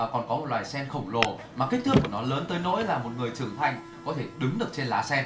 còn có một loài sen khổng lồ mà kích thước của nó lớn tới nỗi là một người trưởng thành có thể đứng được trên lá sen